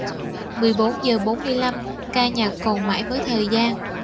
mười bốn giờ bốn mươi lăm ca nhạc còn mãi với thời gian